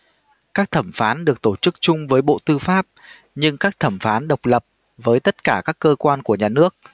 các thẩm phán được tổ chức chung với bộ tư pháp nhưng các thẩm phán độc lập với tất cả các cơ quan của nhà nước